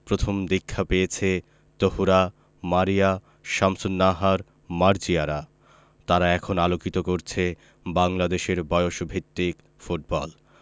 প্রথম দীক্ষা পেয়েছে তহুরা মারিয়া শামসুন্নাহার মার্জিয়ারা তারা এখন আলোকিত করছে বাংলাদেশের বয়সভিত্তিক ফুটবল